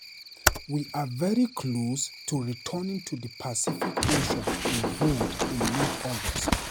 "We are very close to returning to the Pacific Ocean," he vowed in late August.